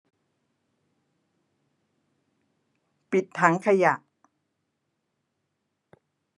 ปิดถังขยะ